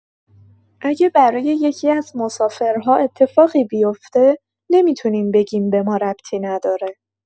اگه برای یکی‌از مسافرها اتفاقی بیفته، نمی‌تونیم بگیم به ما ربطی نداره.